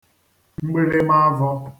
mgbilịma avọ